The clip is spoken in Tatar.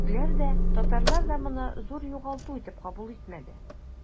Төрекләр дә, татарлар да моны зур югалту итеп кабул итмәде.